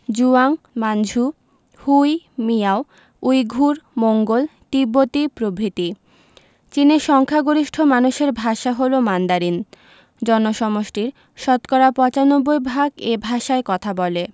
Zhuang Manchu Hui Miao Uyghur Mongol তিব্বতি প্রভৃতি চীনের সংখ্যাগরিষ্ঠ মানুষের ভাষা হলো মান্দারিন জনসমষ্টির শতকরা ৯৫ ভাগ এ ভাষায় কথা বলে